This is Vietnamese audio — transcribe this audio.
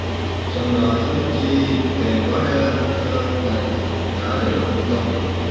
xong rồi phiếu chi kèm hóa đơn thư tình cả đều là của con